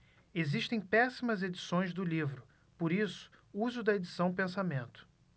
existem péssimas edições do livro por isso use o da edição pensamento